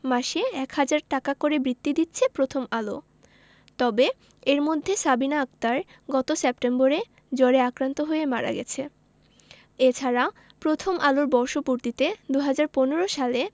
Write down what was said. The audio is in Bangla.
মাসে ১ হাজার টাকা করে বৃত্তি দিচ্ছে প্রথম আলো তবে এর মধ্যে সাবিনা আক্তার গত সেপ্টেম্বরে জ্বরে আক্রান্ত হয়ে মারা গেছে এ ছাড়া প্রথম আলোর বর্ষপূর্তিতে ২০১৫ সালে